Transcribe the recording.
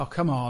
Oh c'mon.